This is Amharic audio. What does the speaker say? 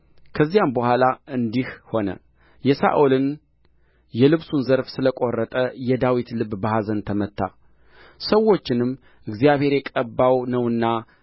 ከዚያም በኋላ እንዲህ ሆነ የሳኦልን የልብሱን ዘርፍ ስለቈረጠ የዳዊት ልብ በኀዘን ተመታ ሰዎቹንም እግዚአብሔር የቀባው ነውና